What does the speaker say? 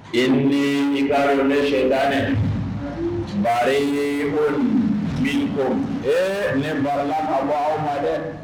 E niga ne seda dɛ fa ye ko min ko ee nela bɔ aw ma dɛ